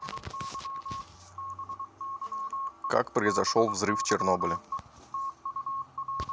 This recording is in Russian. как произошел взрыв в чернобыле